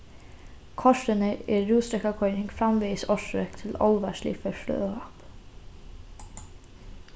kortini er rúsdrekkakoyring framvegis orsøk til álvarslig ferðsluóhapp